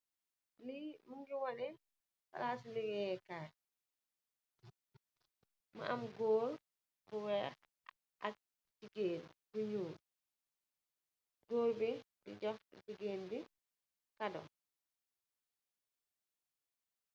Li mungi waneh: palasu ligaye kaye, mu an goorr bu wehh ak jigeen bu nyul. Goorr bi di jigeen bi kado.